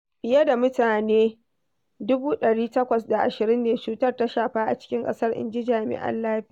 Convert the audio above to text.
Fiye da mutane 820,000 ne cutar ta shafa a cikin ƙasar, inji jami'an lafiya.